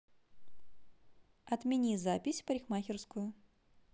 отмени запись в парикмахерскую